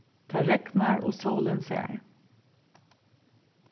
tað regnar og sólin sær